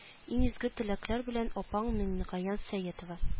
Иң изге теләкләр белән апаң миңнегаян сәетова